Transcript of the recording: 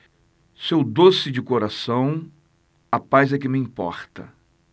sou doce de coração a paz é que me importa